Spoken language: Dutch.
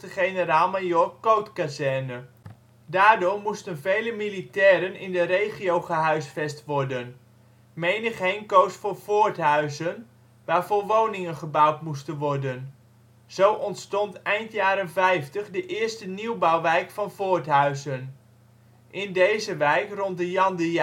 Generaal Majoor Koot Kazerne. Daardoor moesten vele militairen in de regio gehuisvest worden. Menigeen koos voor Voorthuizen, waarvoor woningen gebouwd moesten worden. Zo ontstond eind jaren 50 de eerste nieuwbouwwijk van Voorthuizen. In deze wijk rond de Jan de